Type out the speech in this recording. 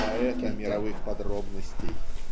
поэта мировых подробностей.